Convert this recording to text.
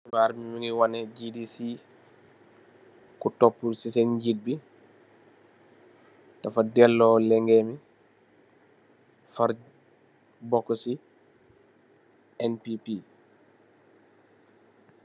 Khibarr bii mungy wohneh GDC, ku topu cii sehn njiit bii dafa dehlor leungem bii, fahrr boku cii NPP.